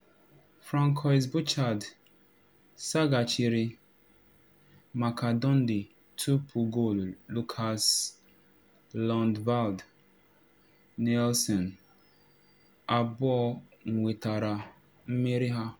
Francois Bouchard saghachiri maka Dundee tupu goolu Lukas Lundvald Nielsen abụọ nwetara mmeri ha.